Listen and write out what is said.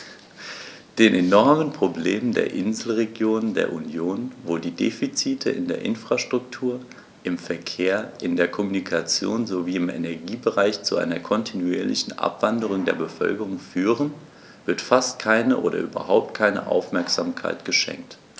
Den enormen Problemen der Inselregionen der Union, wo die Defizite in der Infrastruktur, im Verkehr, in der Kommunikation sowie im Energiebereich zu einer kontinuierlichen Abwanderung der Bevölkerung führen, wird fast keine oder überhaupt keine Aufmerksamkeit geschenkt.